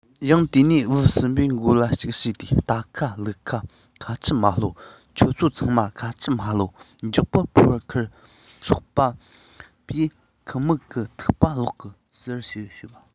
ཡང དེ ནས བུ གསུམ པའི མགོ ལ གཅིག ཞུས ཏེ རྟ ཁ ལུག ཁ ཁ ཆུ མ གློད ཁྱོད ཚོ ཚང མ ཁ ཆུ མ གློད མགྱོགས པོ ཕོར པ འཁུར ཤོག པ ཕས ཁུ མག གི ཐུག པ བླུག གོ ཟེར བཤད པས